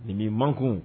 Ni m'i mankun